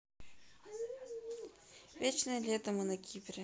вечное лето мы на кипре